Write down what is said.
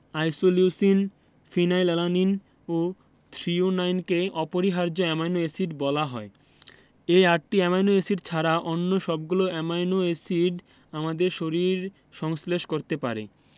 isoleucine phenyl alanine ও থ্রিওনাইনকে অপরিহার্য অ্যামাইনো এসিড বলা হয় এই আটটি অ্যামাইনো এসিড ছাড়া অন্য সবগুলো অ্যামাইনো এসিড আমাদের শরীর সংশ্লেষ করতে পারে